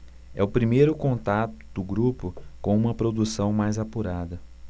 é o primeiro contato do grupo com uma produção mais apurada